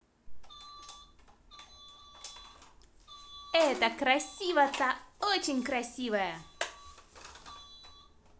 это красиваца очень красивая